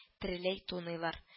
Тереләй туныйлар